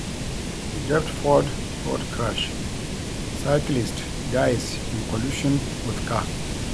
Deptford road crash: Cyclist dies in collision with car